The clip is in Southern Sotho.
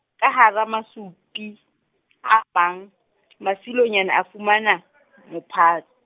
ka hara masupi a mang, Masilonyane a fumana, mophat-.